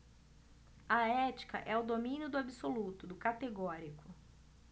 a ética é o domínio do absoluto do categórico